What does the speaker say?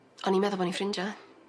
O'n i'n meddwl bo' ni'n ffrindia.